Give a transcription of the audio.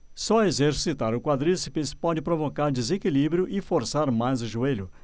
só exercitar o quadríceps pode provocar desequilíbrio e forçar mais o joelho